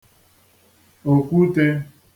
òkwutē